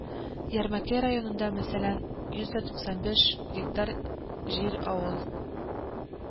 Ярмәкәй районында, мәсәлән, йөз дә туксан беш гектар җир авыл